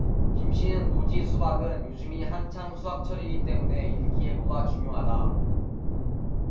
김씨는 노지 수박은 요즘이 한창 수확철이기 때문에 일기예보가 중요하다